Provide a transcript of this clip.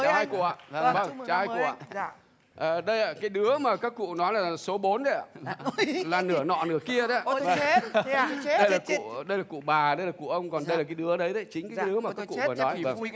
chào hai cụ ạ vâng chào hai cụ ạ ờ đây ạ cái đứa mà các cụ nói là số bốn đây ạ là nửa nọ nửa kia đấy ạ vầng đây là cụ ờ đây là cụ bà đây là cụ ông còn đây là cái đứa đấy đấy chính cái đứa mà các cụ vừa nói vầng